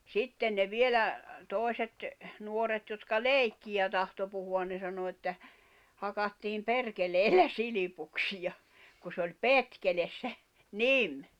sitten ne vielä toiset nuoret jotka leikkiä tahtoi puhua ne sanoi että hakattiin perkeleellä silpuksia kuin se oli petkele se nimi